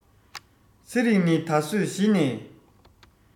ཚེ རིང ནི ད གཟོད གཞི ནས